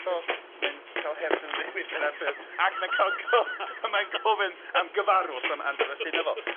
So mae'n ca'l hair do newydd gan Arthur ac mae'n ca'l gof- a mae'n gofyn am gyfarws am an- felly 'na fo.